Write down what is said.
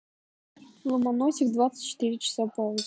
луномосик двадцать четыре часа пауза